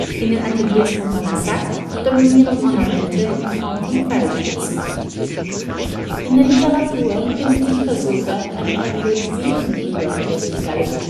In den Ateliers von Banassac dominieren Ornamente in Form von Pfeilspitzen. In der Literatur finden sich Versuche eine periodisierende Gliederung der südgallischen